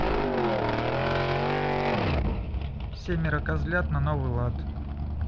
семеро козлят на новый лад